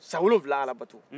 san wolowula ala bato